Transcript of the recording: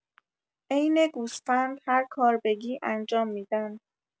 عین گوسفند هر کار بگی انجام می‌دن